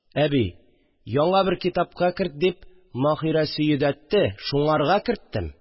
Әби: «Яңа бер китапка керт, дип, Маһирәсе йөдәтте, шуңарга керттем